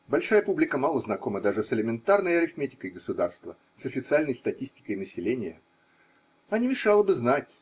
Большая публика мало знакома даже с элементарной арифметикой государства – с официальной статистикой населения. А не мешало бы знать.